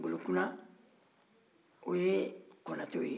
ngolokuna o ye konatɛw ye